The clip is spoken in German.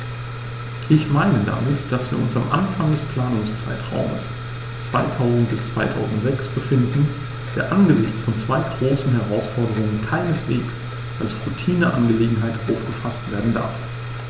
Ich meine damit, dass wir uns am Anfang des Planungszeitraums 2000-2006 befinden, der angesichts von zwei großen Herausforderungen keineswegs als Routineangelegenheit aufgefaßt werden darf.